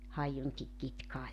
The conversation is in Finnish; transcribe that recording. haiunkin kitkaa ja